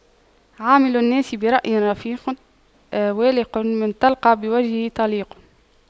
عامل الناس برأي رفيق والق من تلقى بوجه طليق